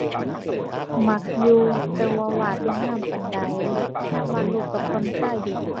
มักอยู่ แต่ว่าวาดบ่งามปานใด ยามวาดรูปก็ผ่อนคลายดี